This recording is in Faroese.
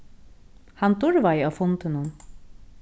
hann durvaði á fundinum